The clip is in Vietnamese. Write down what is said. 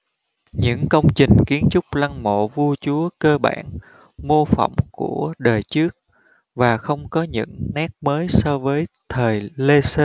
những công trình kiến trúc lăng mộ vua chúa cơ bản mô phỏng của đời trước và không có những nét mới so với thời lê sơ